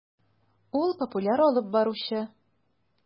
Ул - популяр алып баручы.